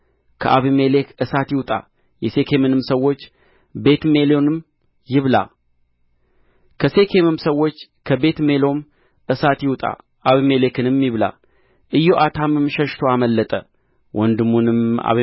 ከአቤሜሌክ እሳት ይውጣ የሴኬምንም ሰዎች ቤትሚሎንም ይብላ ከሴኬምም ሰዎች ከቤትሚሎም እሳት ይውጣ አቤሜሌክንም ይብላ ኢዮአታምም ሸሽቶ አመለጠ ወንድሙንም